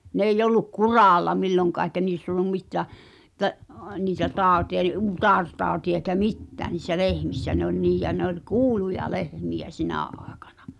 no ei ollut kuralla milloinkaan eikä niissä ollut mitään että niitä tautia ei utaretautia eikä mitään niissä lehmissä ne oli niin ja ne oli kuuluja lehmiä sinä aikana